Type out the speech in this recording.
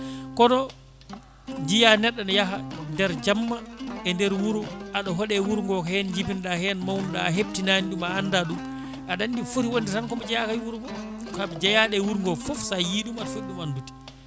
kono jiiya neɗɗo ne yaaha nder jamma e nder wuuro aɗa hooɗe wuuro ngo ko jibineɗa hen mawnu ɗa a hebtinani ɗum a anda ɗum aɗa andi footi wonde tan komo jeeyaka e wuuro ngo kam jeeyaɗo e wuuro ngo foof sa ɗum aɗa footi ɗum andude